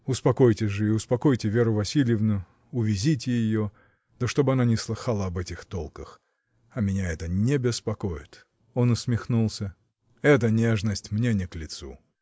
Успокойтесь же и успокойте Веру Васильевну, увезите ее, — да чтоб она не слыхала об этих толках! А меня это не обеспокоит! Он усмехнулся. — Эта нежность мне не к лицу.